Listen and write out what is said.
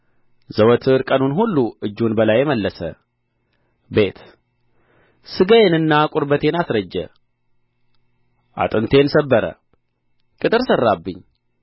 ዘወትር ቀኑን ሁሉ እጁን በላዬ መለሰ ቤት ሥጋዬንና ቁርበቴን አስረጀ አጥንቴን ሰበረ ቅጥር ሠራብኝ